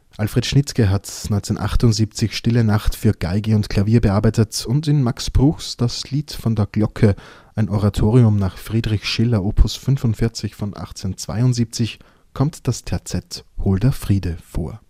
Alfred Schnittke hat 1978 " Stille Nacht " für Violine und Klavier bearbeitet Und in Max Bruchs " Das Lied von der Glocke ", ein Oratorium nach Friedrich Schiller op. 45 von 1872 kommt das Terzett " Holder Friede " vor